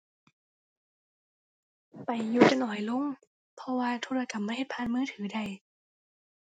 ไปอยู่แต่น้อยลง เพราะว่าธุรกรรมมันเฮ็ดผ่านมือถือได้